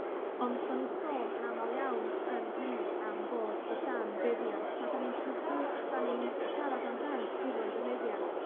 ond ma' nw'n sôn yn amal iawn yn hynny am fod o dan fuddiant, a 'dan ni'n cyflwy- yy 'dan ni'n yy siarad amdan tiroedd y meddiant,